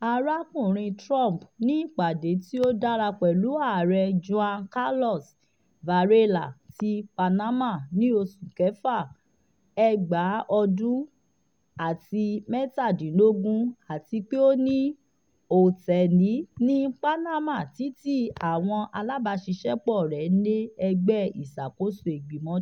Arakunrin Trump ni ipade ti o dara pẹlu Aare Juan Carlos Varela ti Panama ni oṣu kẹfa 2017 ati pe o ni otẹẹli ni Panama titi awọn alabaṣiṣẹpọ le ẹgbẹ isakoso Igbimọ